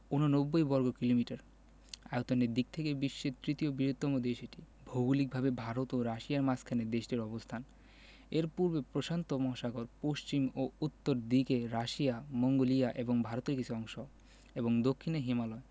৮৯ বর্গকিলোমিটার আয়তনের দিক থেকে বিশ্বের তৃতীয় বৃহত্তম দেশ এটি ভৌগলিকভাবে ভারত ও রাশিয়ার মাঝখানে দেশটির অবস্থান এর পূর্বে প্রশান্ত মহাসাগর পশ্চিম ও উত্তর দিকে রাশিয়া মঙ্গোলিয়া এবং ভারতের কিছু অংশ এবং দক্ষিনে হিমালয়